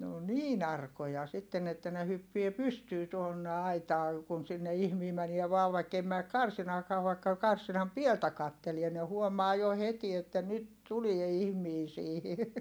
ne on niin arkoja sitten että ne hyppii pystyyn tuonne aitaan kun sinne ihminen menee vain vaikka ei mene karsinaakaan vaikka karsinan pieltä katselee ne huomaa jo heti että nyt tulee ihminen siihen